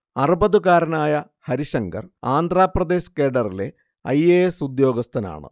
അറുപതുകാരനായ ഹരിശങ്കർ ആന്ധ്രപ്രദേശ് കേഡറിലെ I. A. S ഉദ്യോഗസ്ഥനാണ്